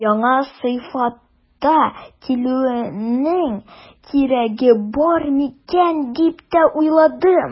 Яңа сыйфатта килүнең кирәге бар микән дип тә уйландым.